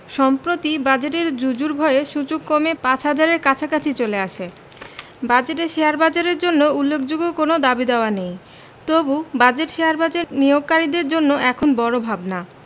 সম্প্রতি বাজেটের জুজুর ভয়ে সূচক কমে ৫ হাজারের কাছাকাছি চলে আসে বাজেটে শেয়ারবাজারের জন্য উল্লেখযোগ্য কোনো দাবিদাওয়া নেই তবু বাজেট শেয়ারবাজার বিনিয়োগকারীদের জন্য এখন বড় ভাবনা